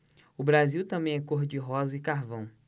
o brasil também é cor de rosa e carvão